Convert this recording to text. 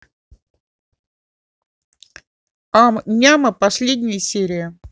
ам няма последняя серия